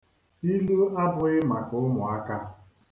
Ilu abụghị maka ụmụaka.